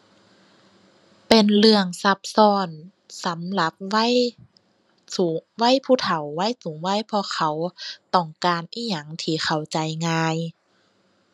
เป็นเรื่องซับซ้อนสำหรับวัยสูง วัยผู้เฒ่า วัยสูงวัย เพราะเขาต้องการอิหยังที่เข้าใจง่าย